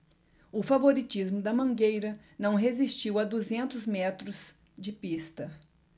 o favoritismo da mangueira não resistiu a duzentos metros de pista